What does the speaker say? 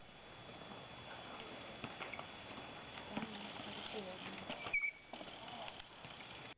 тайна сарбоны